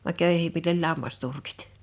vaan köyhemmillä oli lammasturkit